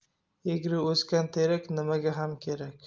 egri o'sgan terak nimaga ham kerak